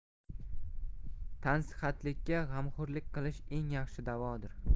tansihatlikka g'amxo'rlik qilish eng yaxshi davodir